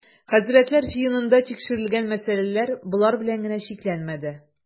Хәзрәтләр җыенында тикшерел-гән мәсьәләләр болар белән генә чикләнмәде.